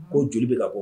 Ko joli bɛ la ko